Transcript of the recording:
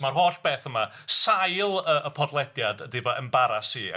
Ma'r holl beth yma... sail y y podlediad ydi fy embaras i.